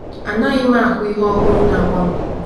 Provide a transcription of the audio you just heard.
Anaghị m ahụ ihe ọhụrụ na-agbanwe.”